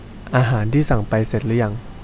อาหารที่สั่งไปเสร็จหรือยัง